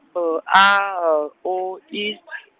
B A L O I.